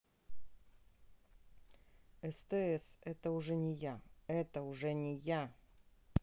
стс это уже не я это уже не я